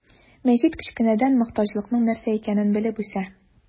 Мәҗит кечкенәдән мохтаҗлыкның нәрсә икәнен белеп үсә.